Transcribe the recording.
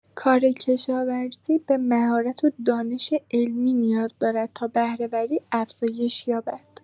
کار کشاورزی به مهارت و دانش علمی نیاز دارد تا بهره‌وری افزایش یابد.